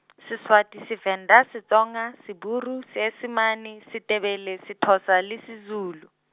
Seswati, Sevenda, Setsonga, Seburu, Seesimane, Setebele, Sethosa le Sezulu.